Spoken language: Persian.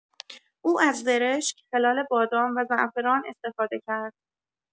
او از زرشک، خلال بادام، و زعفران استفاده کرد.